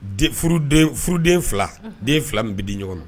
Furuden fila den fila min bɛ di ɲɔgɔn